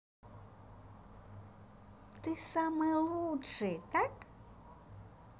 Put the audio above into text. ты самый лучший так